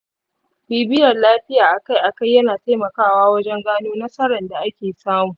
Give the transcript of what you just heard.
bibiyar lafiya akai akai yana taimakawa wajen gano nasaran da ake samu.